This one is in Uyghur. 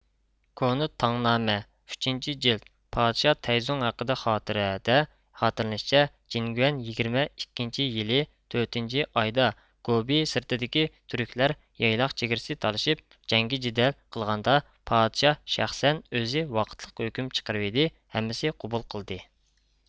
كونا تاڭنامە ئۈچىنچى جىلد پادىشاھ تەيزۇڭ ھەققىدە خاتىرە دە خاتىرىلىنىشچە جېنگۇەن يىگىرمە ئىككىنچى يىلى تۆتىنچى ئايدا گوبى سىرتىدىكى تۈركلەر يايلاق چېگرىسى تالىشىپ جەڭگى جىدەل قىلغاندا پادىشاھ شەخسەن ئۆزى ۋاقىتلىق ھۆكۈم چىقىرىۋىدى ھەممىسى قوبۇل قىلدى